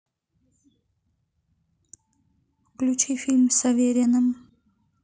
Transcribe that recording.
включи фильм с авериным